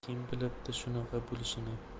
kim bilibdi shunaqa bo'lishini